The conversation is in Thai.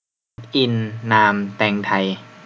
ล็อกอินนามแตงไทย